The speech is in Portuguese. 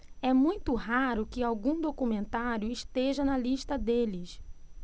é muito raro que algum documentário esteja na lista deles